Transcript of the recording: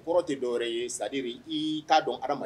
Kɔrɔ tɛ dɔw ye sa de i t'a dɔn ha